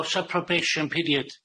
O's a probeshyn piriyd